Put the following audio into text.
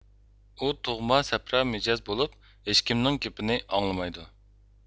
ئۇ تۇغما سەپرا مىجەز بولۇپ ھېچكىمنىڭ گېپىنى ئاڭلىمايدۇ